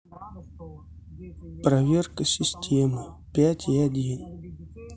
проверка системы пять и один